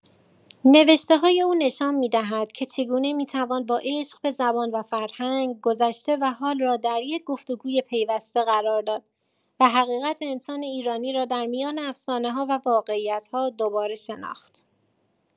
نوشته‌های او نشان می‌دهد که چگونه می‌توان با عشق به زبان و فرهنگ، گذشته و حال را در یک گفت‌وگوی پیوسته قرار داد و حقیقت انسان ایرانی را در میان افسانه‌ها و واقعیت‌ها دوباره شناخت.